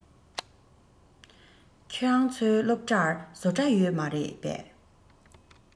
ཁྱོད རང ཚོའི སློབ གྲྭར བཟོ གྲྭ ཡོད མ རེད པས